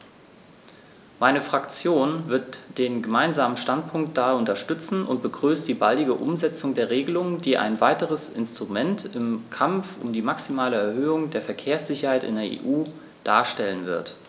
Meine Fraktion wird den Gemeinsamen Standpunkt daher unterstützen und begrüßt die baldige Umsetzung der Regelung, die ein weiteres Instrument im Kampf um die maximale Erhöhung der Verkehrssicherheit in der EU darstellen wird.